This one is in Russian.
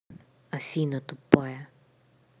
афина тупая